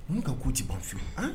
Ninnu ka ko tɛ ban fiyewu, an